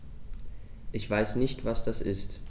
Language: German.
Ich weiß nicht, was das ist.